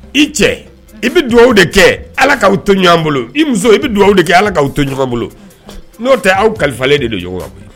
I cɛ i bɛ dugawu aw de kɛ ala'aw to ɲɔgɔn bolo i muso i bɛ dugawu de kɛ ala k'aw to ɲɔgɔn bolo n'o tɛ awaw kalifalen de don